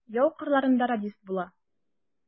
Яу кырларында радист була.